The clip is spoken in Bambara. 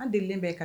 An de bɛ kan